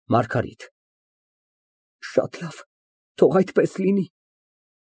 ՄԱՐԳԱՐԻՏ ֊ Շատ լավ, թող այդպես լինի։